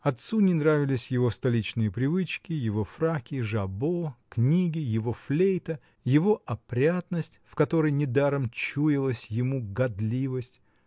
Отцу не нравились его столичные привычки, его фраки, жабо, книги, его флейта, его опрятность, в которой недаром чуялась ему гадливость